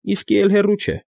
Իսկի էլ հեռու չէ։